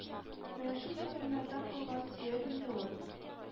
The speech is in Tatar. Менә шул заманнардан калган сөяк инде ул